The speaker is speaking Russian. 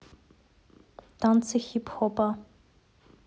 танцы хип хопа